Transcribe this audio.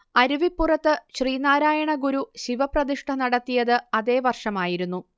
അരുവിപ്പുറത്തു ശ്രീനാരായണഗുരു ശിവപ്രതിഷ്ഠ നടത്തിയതു് അതേ വർഷമായിരുന്നു